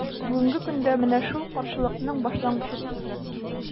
Бүгенге көндә – менә шул каршылыкның башлангычы төсле.